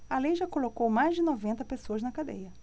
a lei já colocou mais de noventa pessoas na cadeia